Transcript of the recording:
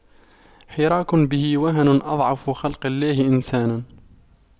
حراك به وهن أضعف خلق الله إنسانا